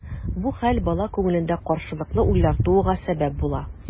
Бу хәл бала күңелендә каршылыклы уйлар тууга сәбәп була.